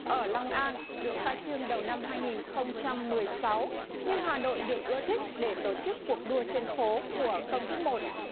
ở long an được khai trương đầu năm hai nghìn không trăm mười sáu nhưng hà nội được ưa thích để tổ chức cuộc đua trên phố của công thức một